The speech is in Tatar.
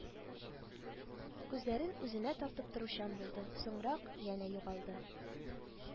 Күзләрен үзенә тартып торучан булды, соңра янә югалды